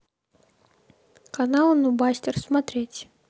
каналы нубастер смотреть